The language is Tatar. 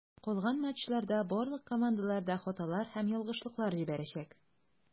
Калган матчларда барлык командалар да хаталар һәм ялгышлыклар җибәрәчәк.